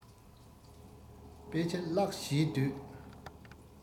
དཔེ ཆ བཀླགས བྱས སྡོད